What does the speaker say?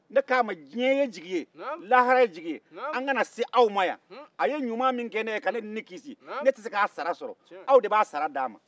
ne k'a ma diɲɛ sigi lahara ye jigi ye an ka na s'aw ma yan a ye ɲuman min kɛ ne ye ka ne ni kisi ne te se ka sara sɔrɔ aw de b'a sara d'a ma